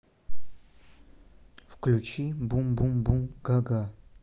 включи бум бум бум га га